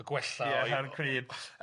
Gwella o'u... Ie hel crib.